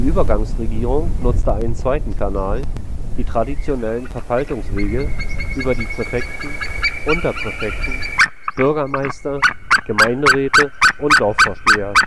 Übergangsregierung nutzte einen zweiten Kanal, die traditionellen Verwaltungswege über die Präfekten, Unterpräfekten, Bürgermeister, Gemeinderäte und Dorfvorsteher